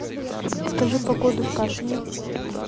скажи погоду в кашине